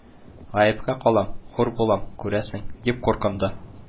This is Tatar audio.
– гаепкә калам, хур булам, күрәсең, – дип куркынды